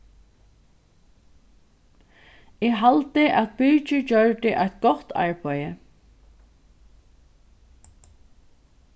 eg haldi at birgir gjørdi eitt gott arbeiði